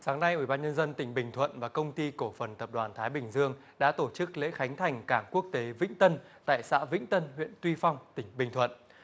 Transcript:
sáng nay ủy ban nhân dân tỉnh bình thuận và công ty cổ phần tập đoàn thái bình dương đã tổ chức lễ khánh thành cảng quốc tế vĩnh tân tại xã vĩnh tân huyện tuy phong tỉnh bình thuận